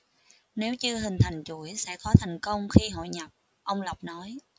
nếu chưa hình thành chuỗi sẽ khó thành công khi hội nhập ông lộc nói